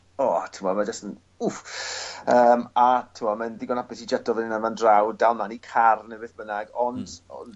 o t'mod ma' jyst yn oof yym a t'mod mae yn digon hapus i cheto fan 'yn a fan draw dal mlan i car ne' beth bynnag ond...Hmm.